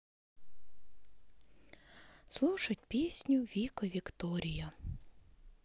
слушать песню вика виктория